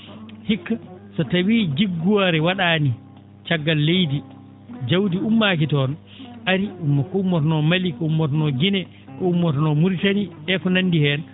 hikka so tawii jiggoore wa?aani caggal leydi jawdi ummaaki toon ari ko umm ko ummotonoo Mali ko ummotonoo Guinée ko ummotonoo Mauritanie e ko nanndi heen